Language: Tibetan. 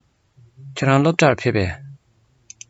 ཁྱེད རང སློབ གྲྭར ཕེབས པས